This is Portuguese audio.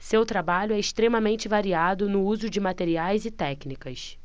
seu trabalho é extremamente variado no uso de materiais e técnicas